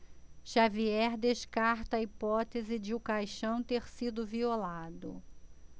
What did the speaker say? xavier descarta a hipótese de o caixão ter sido violado